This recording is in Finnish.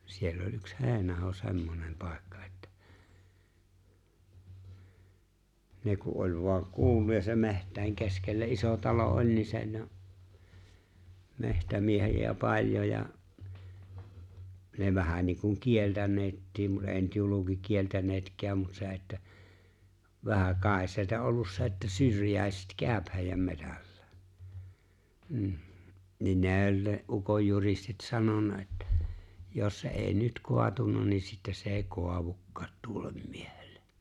siellä oli yksi Heinaho semmoinen paikka että ne kun oli vain kuullut ja se metsien keskellä iso talo oli niin se ne on metsämiehiä paljon ja ne vähän niin kuin kieltäneetkin mutta ei nyt julkikieltäneetkään mutta se että vähän kai se että ollut se että syrjäiset käy heidän metsällä mm niin ne oli ne ukonjuristit sanonut että jos se ei nyt kaatunut niin sitten se ei kaadukaan tuolle miehelle